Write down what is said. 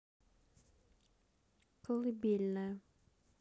колыбельная